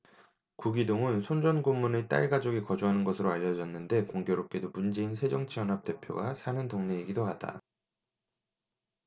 구기동은 손 전 고문의 딸 가족이 거주하는 것으로 알려졌는데 공교롭게도 문재인 새정치연합 대표가 사는 동네이기도 하다